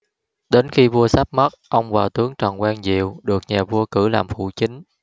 đến khi vua sắp mất ông và tướng trần quang diệu được nhà vua cử làm phụ chính